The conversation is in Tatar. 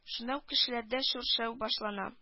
Шунда ук кешеләрдә шүрләү башлана